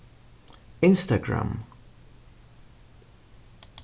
instagram